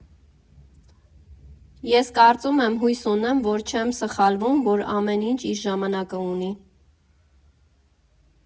Ես կարծում եմ, հույս ունեմ, որ չեմ սխալվում, որ ամեն ինչ իր ժամանակը ունի։